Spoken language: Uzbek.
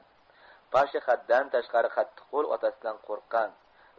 pasha haddan tashqari qattiq qo'l otasidan qo'rqqan